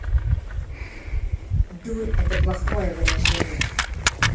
дурь это плохое выражение